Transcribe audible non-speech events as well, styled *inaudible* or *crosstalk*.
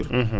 *hesitation* *hesitation*